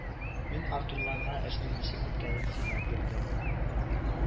Мин артурларга эшнең ничек беткәнен сөйләп бирдем